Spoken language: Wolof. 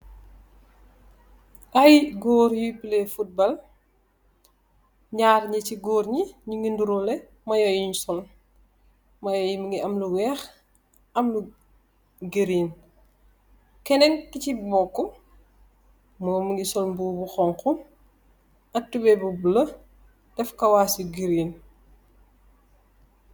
Ay goor yui play football naari nyu si gorri nyugi ndroruleh mayu nyun sol mayu yi mogi am lu weex am lu green kenen kosi mboka momm mogi sol mbuba bu xonxa ak tubay bu bulo def kawas yu green.